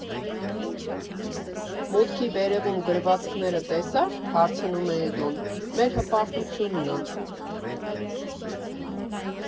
֊ Մուտքի վերևում գրվածքները տեսա՞ր, ֊ հարցնում է Էդոն, ֊ մեր հպարտությունն ա։